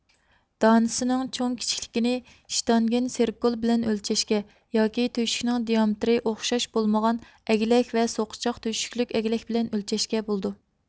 دانىسننىڭ چوڭ كىچىكلىكىنى شتانگېنسركول بىلەن ئۆلچەشكە ياكى تۆشۈكنىڭ دېئامېتىرى ئوخشاش بولمىغان ئەگلەك ۋە سوقىچاق تۆشۈكلۈك ئەگلەك بىلەن ئۆلچەشكە بولىدۇ